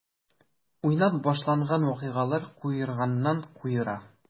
Уйнап башланган вакыйгалар куерганнан-куера.